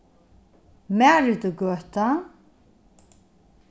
maritugøta